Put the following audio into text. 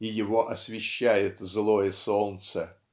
и его освещает злое солнце.